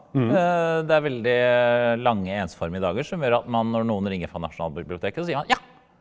det er veldig lange, ensformige dager som gjør at man når noen ringer fra Nasjonalbiblioteket så sier man ja.